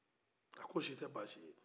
a ko o sitɛ basi ye